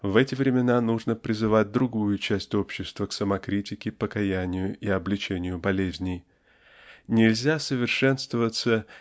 В эти времена нужно призывать другую часть общества к самокритике покаянию и обличению болезней. Нельзя совершенствоваться